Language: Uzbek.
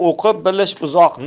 o'qib bilish uzoqni